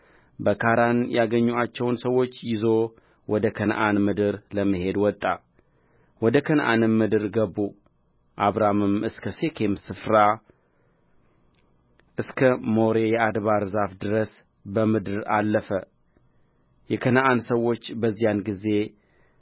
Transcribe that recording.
በካራን ያገኙአቸውን ሰዎች ይዞ ወደ ከነዓን ምድር ለመሄድ ወጣ ወደ ከነዓንም ምድር ገቡ አብራምም እስከ ሴኬም ስፍራ እስከ ሞሬ የአድባር ዛፍ ድረስ በምድር አለፈ የከነዓን ሰዎችም በዚያን ጊዜ